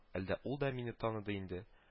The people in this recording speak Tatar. Әллә ул да мине таныды инде